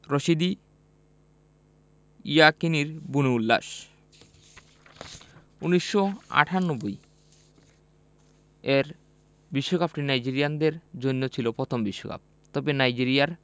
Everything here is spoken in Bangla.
রশিদী ইয়েকিনীর বুনো উল্লাস ১৯৯৮ এর বিশ্বকাপটি নাইজেরিয়ানদের জন্য ছিল প্রথম বিশ্বকাপ তবে নাইজেরিয়ার